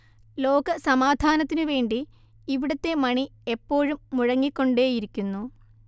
ലോക സമാധാനത്തിനു വേണ്ടി ഇവിടുത്തെ മണി എപ്പോഴും മുഴങ്ങിക്കൊണ്ടേയിരിക്കുന്നു